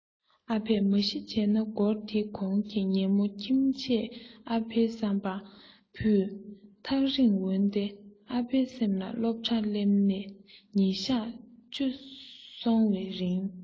ཨ ཕས མ གཞི བྱས ན སྒོར དེའི གོང གི ཉིན མོར ཁྱིམ ཆས ཨ ཕའི བསམ པར བུ ས ཐག རིང འོན ཏེ ཨ ཕའི སེམས ལ སློབ གྲྭར སླེབས ནས ཉིན གཞག བཅུ སོང བའི རིང